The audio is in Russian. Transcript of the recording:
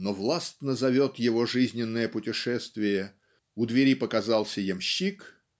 но властно зовет его жизненное путешествие у двери показался ямщик